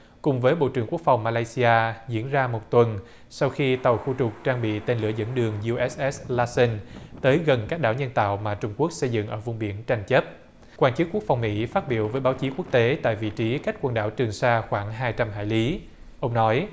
cùng với bộ trưởng quốc phòng ma lay si a diễn ra một tuần sau khi tàu khu trục trang bị tên lửa dẫn đường diu ét ét la sân tới gần các đảo nhân tạo mà trung quốc xây dựng ở vùng biển tranh chấp quan chức quốc phòng mỹ phát biểu với báo chí quốc tế tại vị trí cách quần đảo trường sa khoảng hai trăm hải lý ông nói